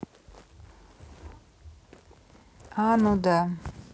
а ну да